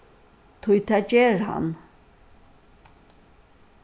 tí tað ger hann